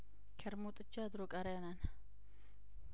ከርሞ ጥጃ አድሮ ቃሪያ ነን